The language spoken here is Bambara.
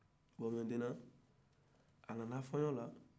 bon maintenant a nana fiɲɛ na